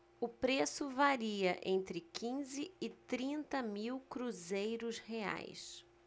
o preço varia entre quinze e trinta mil cruzeiros reais